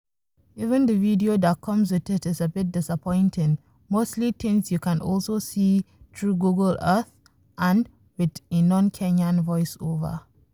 Even the video that comes with it is a bit disappointing: mostly things you can also see through Google Earth, and with a non-Kenyan voice-over.